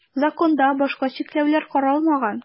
Законда башка чикләүләр каралмаган.